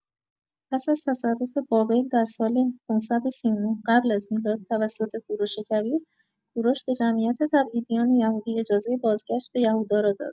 پس از تصرف بابل در سال ۵۳۹ قبل از میلاد توسط کوروش کبیر، کوروش به جمعیت تبعیدیان یهودی اجازه بازگشت به یهودا را داد.